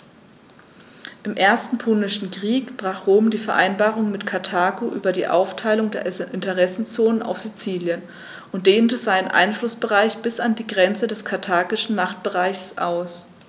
Im Ersten Punischen Krieg brach Rom die Vereinbarung mit Karthago über die Aufteilung der Interessenzonen auf Sizilien und dehnte seinen Einflussbereich bis an die Grenze des karthagischen Machtbereichs aus.